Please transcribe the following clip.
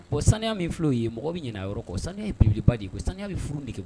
Bon sanya min fila o ye mɔgɔ bɛ ɲ yɔrɔ kɔ sani bibiliba de ko san bɛ furu dege